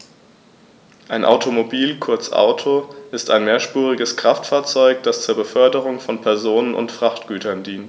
Ein Automobil, kurz Auto, ist ein mehrspuriges Kraftfahrzeug, das zur Beförderung von Personen und Frachtgütern dient.